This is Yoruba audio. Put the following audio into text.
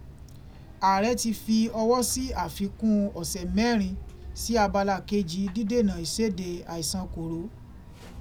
Ààrẹ ti fi ọwọ́ sí àfikún ọ̀sẹ̀ mẹ́rin sí abala kejì dídènà ìséde àìsàn kòró.